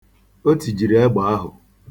O tijiri egbe ahụ.